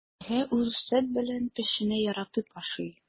Әлегә ул сөт белән печәнне яратып ашый.